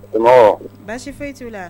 So mɔgɔw? Baasi fosi t'u la.